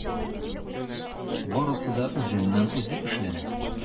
Барысы да үзеннән-үзе эшләнә.